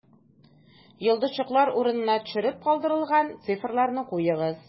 Йолдызчыклар урынына төшереп калдырылган цифрларны куегыз: